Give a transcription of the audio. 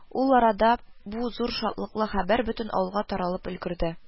Ул арада бу зур шатлыклы хәбәр бөтен авылга таралып өлгерде